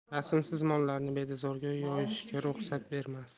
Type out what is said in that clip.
raisimiz mollarni bedazorga yoyishga ruxsat bermasdi